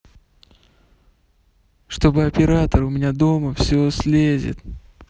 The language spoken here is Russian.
чтобы оператор у меня дома все слезет